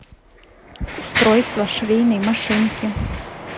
устройство швейной машинки